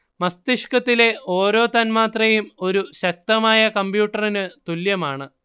മസ്തിഷ്കത്തിലെ ഓരോ തന്മാത്രയും ഒരു ശക്തമായ കമ്പ്യൂട്ടറിനു തുല്യമാണ്